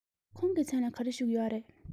ཁོང གི མཚན ལ ག རེ ཞུ གི ཡོད རེད